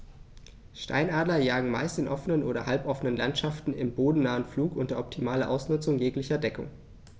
Steinadler jagen meist in offenen oder halboffenen Landschaften im bodennahen Flug unter optimaler Ausnutzung jeglicher Deckung.